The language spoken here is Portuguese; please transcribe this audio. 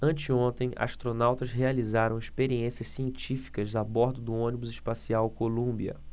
anteontem astronautas realizaram experiências científicas a bordo do ônibus espacial columbia